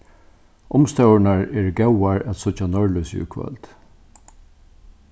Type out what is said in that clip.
umstøðurnar eru góðar at síggja norðlýsið í kvøld